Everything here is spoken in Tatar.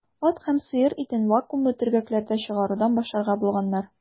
Ат һәм сыер итен вакуумлы төргәкләрдә чыгарудан башларга булганнар.